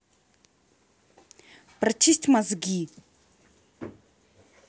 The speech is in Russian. прочисть мозги